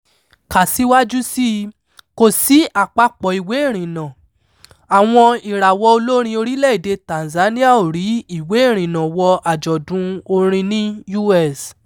Kà síwájú sí i: Kò Sí Àpòpọ̀ Ìwé Ìrìnnà': Àwọn ìràwọ̀ olórin orílẹ̀-èdè Tanzania ò rí ìwé ìrìnnà wọ àjọ̀dún orin ní US